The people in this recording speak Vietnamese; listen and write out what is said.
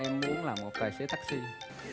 em muốn làm một tài xế tắc xi